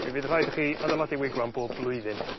mi fydd rhaid i chi adeiladu wigwam bob blwyddyn